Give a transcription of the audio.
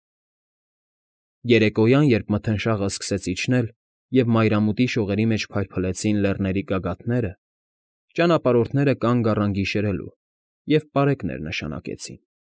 Երեկոյան, երբ մթնշաղը սկսեց իջնել և մայրամուտի շողերի մեջ փայլփլեցին լեռների գագաթները, ճանապարհորդները կանգ առան գիշերելու և պարեկներ նշանակեցին։